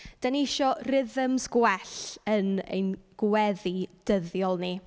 Dan ni isio rythms gwell yn ein gweddi dyddiol ni.